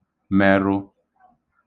mērụ̄